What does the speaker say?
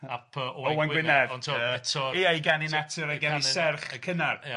Ap... Owain Gwynedd ...ond ti'bod eto ia ei ganu natur a'i ganu serch cynnar... Ia